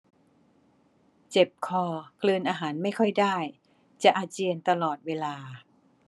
เจ็บคอกลืนอาหารไม่ค่อยได้จะอาเจียนตลอดเวลา